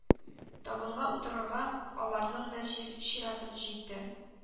Табынга утырырга аларның да чираты җитте